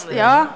ja.